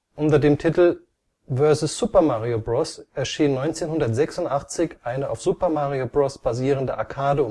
Unter dem Titel Vs. Super Mario Bros. erschien 1986 eine auf Super Mario Bros. basierende Arcade-Umsetzung